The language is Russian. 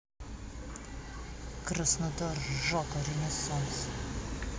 краснодар жака ренессанс